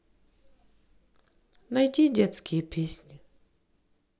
найди детские песни